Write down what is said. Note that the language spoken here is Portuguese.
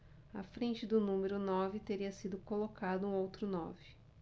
à frente do número nove teria sido colocado um outro nove